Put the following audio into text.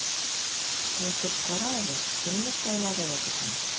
Әйтеп кара әле, кемне сайладыгыз икән?